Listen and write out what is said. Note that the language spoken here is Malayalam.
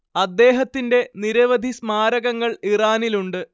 അദ്ദേഹത്തിന്റെ നിരവധി സ്മാരകങ്ങൾ ഇറാനിലുണ്ട്